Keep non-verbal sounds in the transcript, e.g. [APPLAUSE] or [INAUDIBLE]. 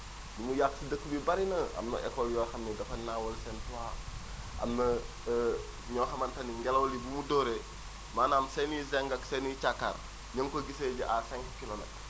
lu mu yàq si dëkk bi bëri na am na école yoo xam ni dafa naawal seen toit am na [HESITATION] ñoo xamante ni ngelaw li bi mu dóoree maanaam seen i zinc ak seen i càkkaar ñoo ngi ko gisee ji à 5 kilomètres